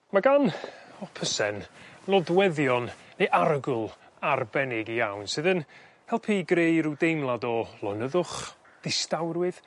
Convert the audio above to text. Ma' gan hopysen nodweddion ne' arogl arbennig iawn sydd yn helpu greu ryw deimlad o lonyddwch ddistawrwydd